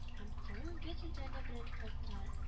Һәм колын бөтен тәне белән калтыра